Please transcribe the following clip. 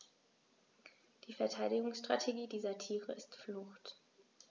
Die Verteidigungsstrategie dieser Tiere ist Flucht.